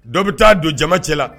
Dɔ bɛ taa don jama cɛla